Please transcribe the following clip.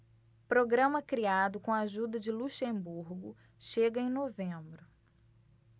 programa criado com a ajuda de luxemburgo chega em novembro